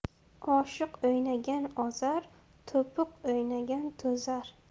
oshiq o'ynagan ozar to'piq o'ynagan to'zar